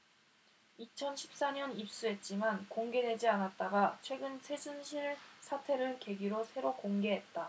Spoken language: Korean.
이천 십 사 년 입수했지만 공개되지 않았다가 최근 최순실 사태를 계기로 새로 공개했다